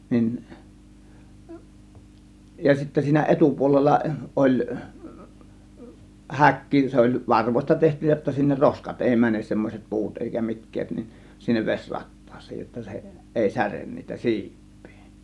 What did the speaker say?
niin ja sitten siinä etupuolella oli häkki se oli varvoista tehty jotta sinne roskat ei mene semmoiset puut eikä mitkään niin sinne vesi rattaaseen jotta se ei särje niitä siipiä